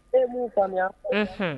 Ne m'u faamuya, unhun